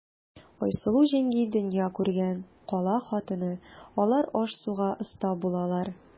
Айсылу җиңги дөнья күргән, кала хатыны, алар аш-суга оста булалар.